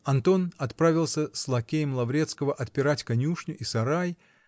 Антон отправился с лакеем Лаврецкого отпирать конюшню и сарай